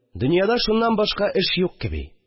Дөньяда шуннан башка эш юк кеби